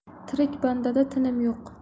tirik bandada tinim yo'q